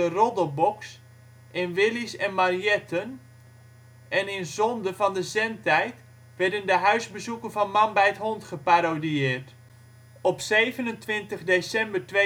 Roddelbox " in Willy 's en Marjetten en in Zonde van de Zendtijd werden de huisbezoeken van Man bijt hond geparodieerd. Op 27 december 2008